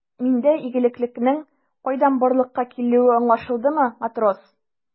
Миндә игелеклелекнең кайдан барлыкка килүе аңлашылдымы, матрос?